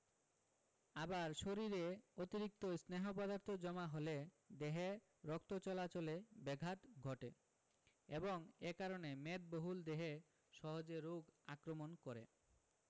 আবার শরীরে অতিরিক্ত স্নেহ পদার্থ জমা হলে দেহে রক্ত চলাচলে ব্যাঘাত ঘটে এবং এ কারণে মেদবহুল দেহে সহজে রোগ আক্রমণ করে